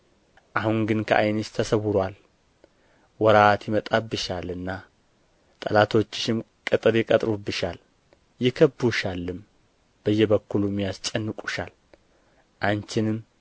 አሁን ግን ከዓይንሽ ተሰውሮአል ወራት ይመጣብሻልና ጠላቶችሽም ቅጥር ይቀጥሩብሻል ይከቡሻልም በየበኵሉም ያስጨንቁሻል አንቺንም